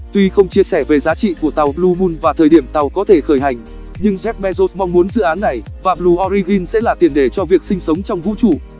tuy không chia sẻ về giá trị của tàu blue moon và thời điểm tàu có thể khởi hành nhưng jeff bezos mong muốn dự án này và blue origin sẽ là tiền đề cho việc sinh sống trong vũ trụ